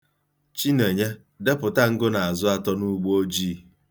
Chinenye, depụta ngụnaazụ atọ n'ugboojii.